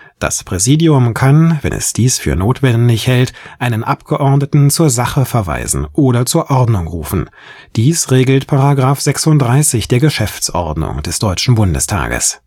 Das Präsidium kann, wenn es dies für notwendig hält, einen Abgeordneten zur Sache verweisen oder zur Ordnung rufen; dies regelt § 36 der Geschäftsordnung des Deutschen Bundestages